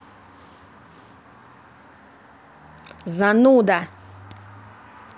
зануда